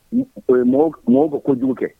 O ye mɔgɔw bɛ ko kojugu kɛ